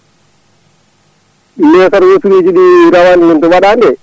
mais kadi * nde waɗa nde